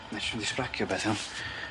Na'i 's myn' i sbragio peth iawn?